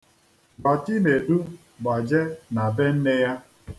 Gwa Chinedu gbaje na be nne ya.